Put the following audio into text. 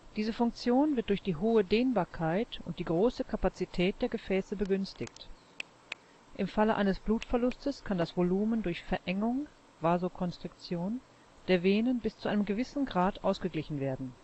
Diese Funktion wird durch die hohe Dehnbarkeit und die große Kapazität der Gefäße begünstigt. Im Falle eines Blutverlustes kann das Volumen durch Verengung (Vasokonstriktion) der Venen bis zu einem gewissen Grad ausgeglichen werden